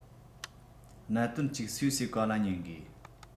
གནད དོན གཅིག སུས སུའི བཀའ ལ ཉན དགོས